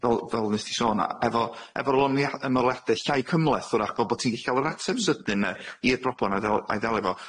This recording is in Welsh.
fel- fel nes 'di sôn, a efo efo lonia- ymoliade llai cymhleth, wrach fel bo' ti'n gellu ca'l yr ateb sydyn 'ne i'r broblam a'i ddel- a'i ddelio fo.